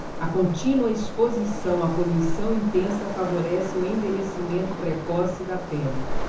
a contínua exposição à poluição intensa favorece o envelhecimento precoce da pele